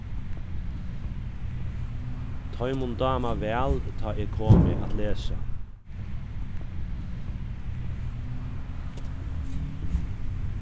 teimum dáma væl tá eg komi at lesa